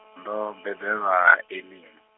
ndo bebelwa Elim.